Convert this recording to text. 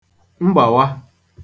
mgbàwa